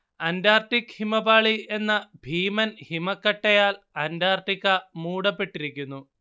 Antarctic ഹിമപാളി എന്ന ഭീമൻ ഹിമക്കട്ടയാൽ അന്റാർട്ടിക്ക മൂടപ്പെട്ടിരിക്കുന്നു